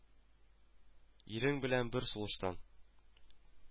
Ирең белән бер сулыштан